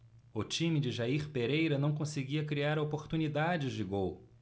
o time de jair pereira não conseguia criar oportunidades de gol